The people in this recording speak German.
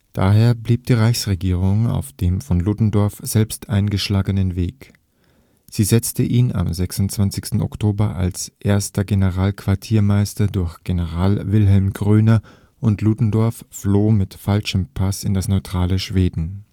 Daher blieb die Reichsregierung auf dem von Ludendorff selbst eingeschlagenen Weg. Sie ersetzte ihn am 26. Oktober als 1. Generalquartiermeister durch General Wilhelm Groener, und Ludendorff floh mit falschem Pass in das neutrale Schweden